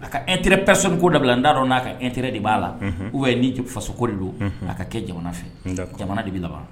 A ka n terirepsɔn ko dabila n da dɔn n'a ka n teri de b'a la u bɛ ye n ni fasoko de don a ka kɛ jamana fɛ jamana de bɛ laban